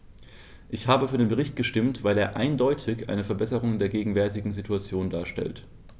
Ich habe für den Bericht gestimmt, weil er eindeutig eine Verbesserung der gegenwärtigen Situation darstellt.